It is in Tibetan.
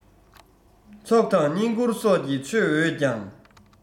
ཚོགས དང བསྙེན བཀུར སོགས ཀྱིས མཆོད འོས ཀྱང